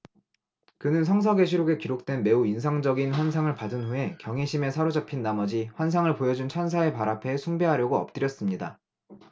그는 성서 계시록에 기록된 매우 인상적인 환상을 받은 후에 경외심에 사로잡힌 나머지 환상을 보여 준 천사의 발 앞에 숭배하려고 엎드렸습니다